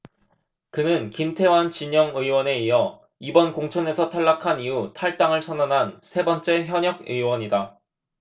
그는 김태환 진영 의원에 이어 이번 공천에서 탈락한 이후 탈당을 선언한 세 번째 현역 의원이다